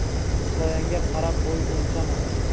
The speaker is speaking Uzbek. soyangga qarab bo'y o'lchama